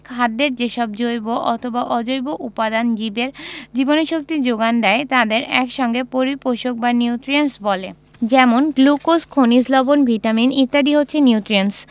খাদ্যের যেসব জৈব অথবা অজৈব উপাদান জীবের জীবনীশক্তির যোগান দেয় তাদের এক সঙ্গে পরিপোষক বা নিউট্রিয়েন্টস বলে যেমন গ্লুকোজ খনিজ লবন ভিটামিন ইত্যাদি হচ্ছে নিউট্রিয়েন্টস